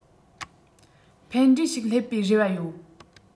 ཕན འབྲས ཞིག སླེབས པའི རེ བ ཡོད